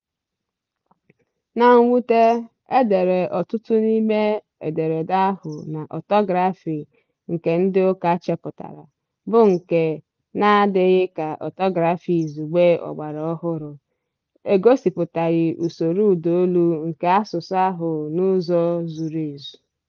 Na mwute, e dere ọtụtụ n’ime ederede ahụ n'ọtọgrafi nke ndị ụka chepụtara, bụ́ nke, n’adịghị ka ọtọgrafi izugbe ọgbaraọhụrụ, egosipụtaghị usoro ụdaolu nke asụsụ ahụ n’ụzọ zuru ezu.